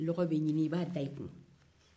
dɔgɔ bɛ ɲinin i b'a da i kun